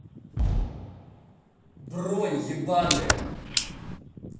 бронь ебаные